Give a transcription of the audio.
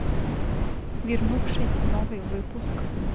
вернувшийся новый выпуск